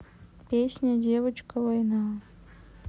песня девочка война